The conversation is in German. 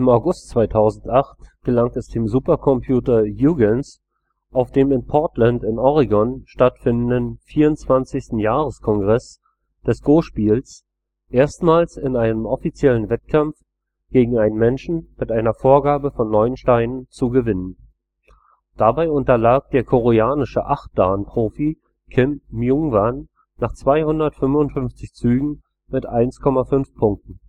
August 2008 gelang es dem Supercomputer Huygens auf dem in Portland in Oregon stattfindenden 24. Jahreskongress des Go-Spiels erstmals in einem offiziellen Wettkampf gegen einen Menschen mit einer Vorgabe von 9 Steinen zu gewinnen. Dabei unterlag der koreanische 8-Dan-Profi Kim Myungwan nach 255 Zügen mit 1,5 Punkten